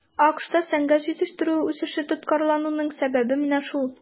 АКШта сәнәгать җитештерүе үсеше тоткарлануның сәбәбе менә шул.